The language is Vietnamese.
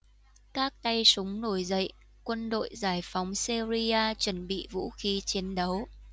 các tay súng nổi dậy quân đội giải phóng syria chuẩn bị vũ khí chiến đấu